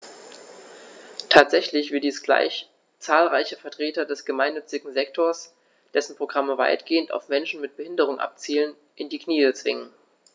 Tatsächlich wird dies gleich zahlreiche Vertreter des gemeinnützigen Sektors - dessen Programme weitgehend auf Menschen mit Behinderung abzielen - in die Knie zwingen.